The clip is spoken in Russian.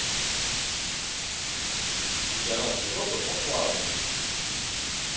чемпионат европы по плаванию